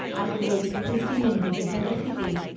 Arglwydd, pwy sy'n mynd i dy fradychu di?